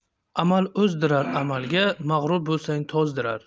amal o'zdirar amalga mag'rur bo'lsang to'zdirar